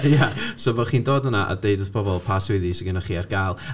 Ia, so bod chi'n dod yna a deud wrth bobl pa swyddi sy gennych chi ar gael.